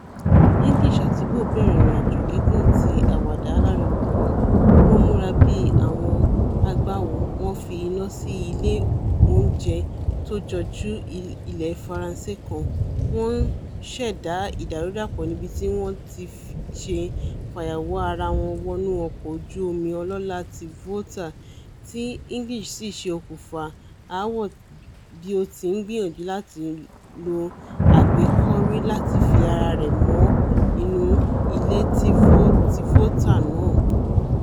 English ati Bough bẹ̀rẹ̀ ìrìn-àjò gígùn ti àwàdà aláriwo kan: wọ́n múra bíi àwọn agbáwo, wọn fi iná sí ilé oúnjẹ tójọjú ilẹ̀ Faranse kan; wọ́n ṣẹ̀dá ìdàrúdàpọ̀ nìbití wọ́n ti ṣe fàyàwọ́ ara wọn wọnú ọkọ̀ oju-omi ọlọ́lá ti Volta; ti English sì ṣe okùnfà aáwọ̀ bí ó ti ńgbìyànjú láti lo agbékọ́rí láti fi ara rẹ̀ mọ inu ilé ti Volta náà.